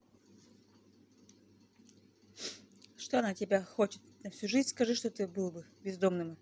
что она тебя хочет на всю жизнь скажи что ты бы был бездомным